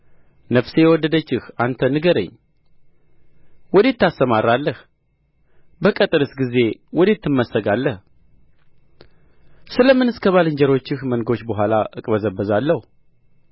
ነፍሴ የወደደችህ አንተ ንገረኝ ወዴት ታሰማራለህ በቅትርስ ጊዜ ወዴት ትመስጋለህ ስለ ምንስ ከባልንጀሮችህ መንጎች በኋላ እቅበዘበዛለሁ